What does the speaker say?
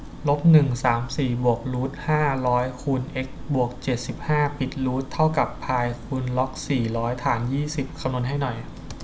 ลบหนึ่งสามสี่บวกรูทห้าร้อยคูณเอ็กซ์บวกเจ็ดสิบห้าปิดรูทเท่ากับพายคูณล็อกสี่ร้อยฐานยี่สิบ